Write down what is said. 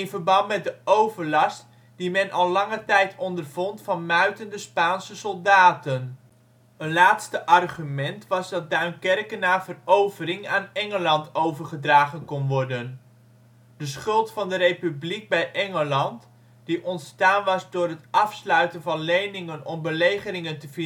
verband met de overlast die men al lange tijd ondervond van muitende Spaanse soldaten. Een laatste argument was dat Duinkerke na verovering aan Engeland overgedragen kon worden. De schuld van de Republiek bij Engeland, die ontstaan was door het afsluiten van leningen om belegeringen te financieren